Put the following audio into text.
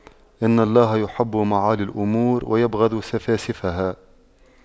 إن الله يحب معالي الأمور ويبغض سفاسفها